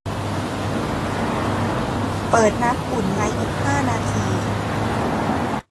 เปิดน้ำอุ่นในอีกห้านาที